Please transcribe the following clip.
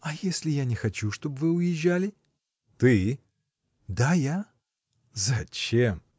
— А если я не хочу, чтоб вы уезжали? — Ты? — Да, я. — Зачем?